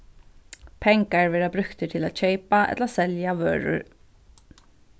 pengar verða brúktir til at keypa ella selja vørur